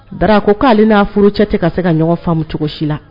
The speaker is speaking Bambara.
Dara a ko k'ale n'a furu cɛ tɛ ka se ka ɲɔgɔn faamu cogo si la.